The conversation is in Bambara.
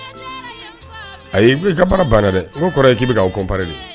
. Ayi ko i ka baara banna o dɛ, n k'o kɔrɔ ye k'i bɛ kanw comparer de.